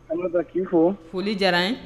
Foli diyara ye